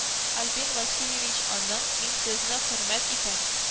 Альбин Васильевич аның: «Мин сезне хөрмәт итәм»,